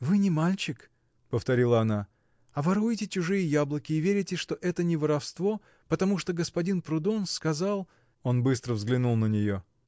— Вы не мальчик, — повторила она, — а воруете чужие яблоки и верите, что это не воровство, потому что господин Прудон сказал. Он быстро взглянул на нее.